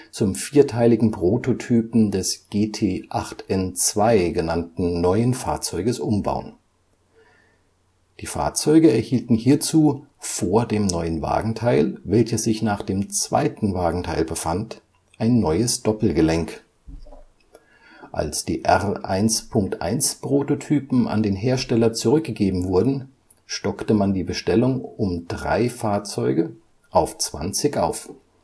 zum vierteiligen Prototypen des GT8N2 genannten neuen Fahrzeuges umbauen. Die Fahrzeuge erhielten hierzu vor dem neuen Wagenteil, welcher sich nach dem zweiten Wagenteil befand, ein neues Doppelgelenk. Als die R-1.1-Prototypen an den Hersteller zurückgegeben wurden, stockte man die Bestellung um drei Fahrzeuge auf zwanzig auf